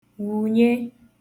wùnye